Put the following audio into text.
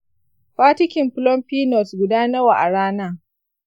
fatikin plumpy nuts guda nawa a rana?